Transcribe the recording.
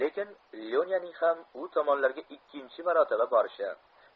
lekin lyonyaning ham u tomonlarga ikkinchi marotaba borishi